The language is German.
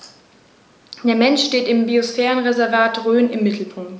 Der Mensch steht im Biosphärenreservat Rhön im Mittelpunkt.